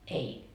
ei